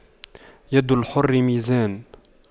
يد الحر ميزان